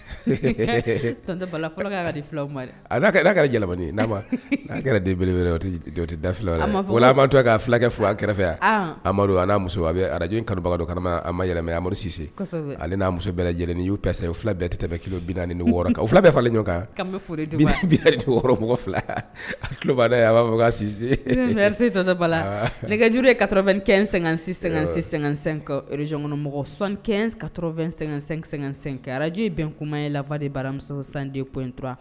'a kɛra jabali n'a a kɛra deeleti wa a b'a to k ka fulakɛ f a kɛrɛfɛ yan amadu'a muso arajbagama a ma yɛlɛmɛ amadusise ale n'a muso bɛɛ lajɛlen y'u tɛ se fila bɛɛti tɛ kilo bi naani ni wɔɔrɔ kan fila bɛɛ falen ɲɔgɔn kan wɔɔrɔ mɔgɔ fila a tuloloda b'a fɔsisetɔ bala nɛgɛjuru ka2ɛn--sɛ-sɛsɛ rezɔnmɔgɔ ka2---sɛ-sɛ araj in bɛn kuma ye lafa de baramuso san de p intura